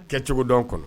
Kɛcogo dɔn kɔnɔ